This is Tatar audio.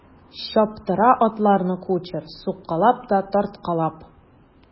Чаптыра атларны кучер суккалап та тарткалап.